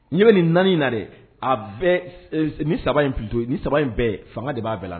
Ne bɛ nin naani nare a bɛ ni saba in p to ni saba in bɛɛ fanga de b'a bɛɛ la